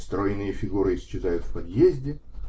Стройные фигуры исчезают в подъезде.